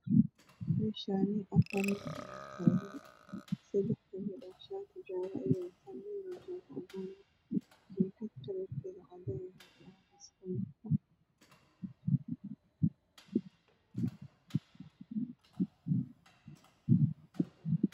Meshaani afar nin ayaa tagan sadax kamida ah shaati jaalo ayeey wataan midne shaati cadaan sh jakad kalar keedu cadaan yahay e wataan